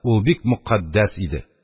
Ул бик мөкатдәс иде.